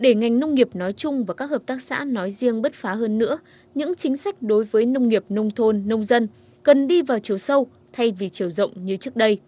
để ngành nông nghiệp nói chung và các hợp tác xã nói riêng bứt phá hơn nữa những chính sách đối với nông nghiệp nông thôn nông dân cần đi vào chiều sâu thay vì chiều rộng như trước đây